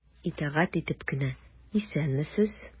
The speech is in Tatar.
Итагать итеп кенә:— Исәнмесез!